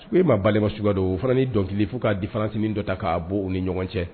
U ye maa bamas cogoyaka don o fana ni dɔnkili fo k'a difaransi min dɔ ta k'a bɔ u ni ɲɔgɔn cɛ